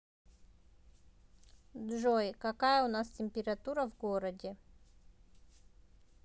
джой какая у нас температура в городе